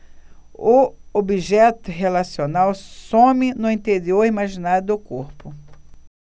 o objeto relacional some no interior imaginário do corpo